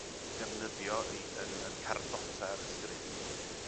'u 'u defnyddio i yn yn cardota ar y stryd